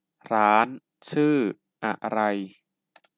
ร้านชื่ออะไร